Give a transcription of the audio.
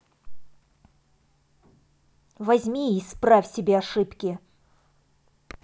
возьми и исправь себе ошибки